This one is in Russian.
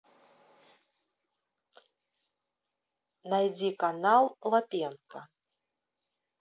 найди канал лапенко